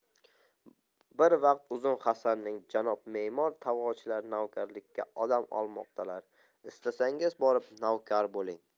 bir vaqt uzun hasanning janob memor tavochilar navkarlikka odam olmoqdalar istasangiz borib navkar bo'ling